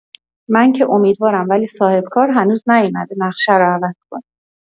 من که امیدوارم، ولی صاحب‌کار هنوز نیومده نقشه رو عوض کنه.